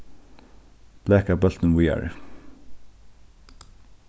blaka bóltin víðari